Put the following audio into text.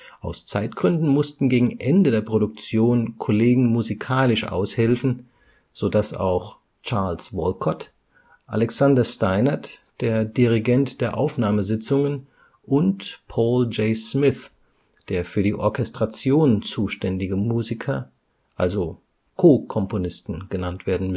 Aus Zeitgründen mussten gegen Ende der Produktion Kollegen musikalisch aushelfen, sodass auch Charles Walcott, Alexander Steinert, der Dirigent der Aufnahmesitzungen, und Paul J. Smith, der für die Orchestration zuständige Musiker, also Co-Komponisten genannt werden